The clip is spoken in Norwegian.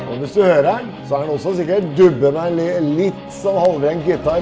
og hvis du hører den så er den også sikkert dubben er er litt sånn halvren gitar.